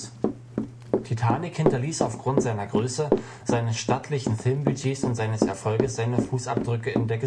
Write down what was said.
Titanic hinterließ aufgrund seiner Größe, seines stattlichen Filmbudgets und seines Erfolges seine Fußabdrücke in der Gesellschaft